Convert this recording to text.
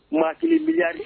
Maa 1 miliyari!